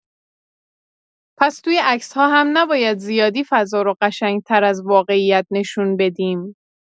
پس توی عکس‌ها هم نباید زیادی فضا رو قشنگ‌تر از واقعیت نشون بدیم.